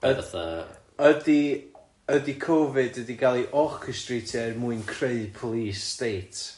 Ydi, ydi Covid wedi ga'l ei orchestrateio er mwyn creu police state?